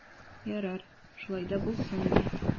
Ярар, шулай да булсын ди.